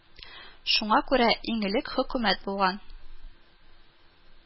Шуңа күрә иң элек Хөкүмәт булган